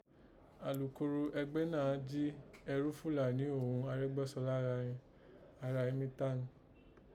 Alukoro ẹgbẹ́ náà jí ẹrú Fúlàní òghun Arẹ́gbẹ́sọlá gha rin, ara èé mi tá tim